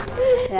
dạ